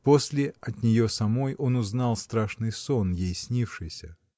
После, от нее самой, он узнал страшный сон, ей снившийся.